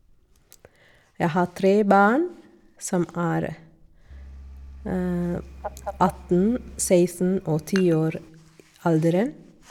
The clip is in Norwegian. Jeg har tre barn, som er atten, seksten og ti år alderen.